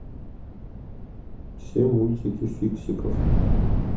все мультики фиксиков